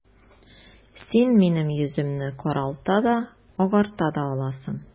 Син минем йөземне каралта да, агарта да аласың...